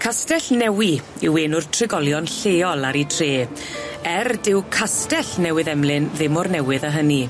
Castell Newy yw enw'r trigolion lleol ar 'u tre er dyw Castell Newydd Emlyn ddim mor newydd â hynny.